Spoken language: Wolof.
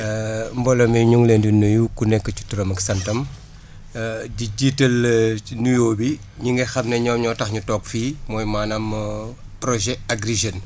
mbooloo mi ñu ngi leen di nuyu ku nekk ci turam ak santam di jiital ci nuyoo bi ñi nga xam ne ñoom ñoo tax ñu toog fii mooy maanaam projet Agri Jeunes